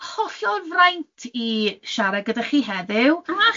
hollol fraint i siarad gyda chi heddiw.